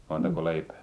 montako leipää